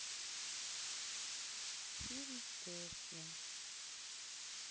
фильм тесла